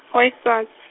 wa -isati-.